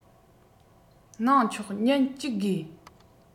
གནང ཆོག ཉིན ༡ དགོས